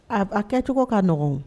A a kɛcogo ka nɔgɔn o